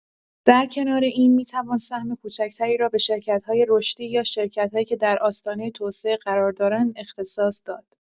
در کنار این، می‌توان سهم کوچک‌تری را به شرکت‌های رشدی یا شرکت‌هایی که در آستانه توسعه قرار دارند اختصاص داد.